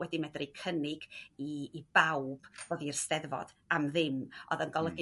wedi medru cynnig i i bawb ddod i'r 'steddfod am ddim o'dd yn golygu